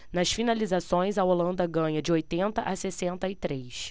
nas finalizações a holanda ganha de oitenta a sessenta e três